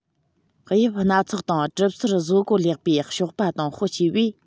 དབྱིབས སྣ ཚོགས དང གྲུབ ཚུལ བཟོ བཀོད ལེགས པའི གཤོག པ དང སྤུ སྐྱེས པས